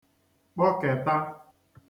kpọkèta